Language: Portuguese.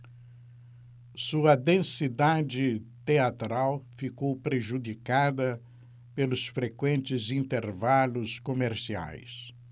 sua densidade teatral ficou prejudicada pelos frequentes intervalos comerciais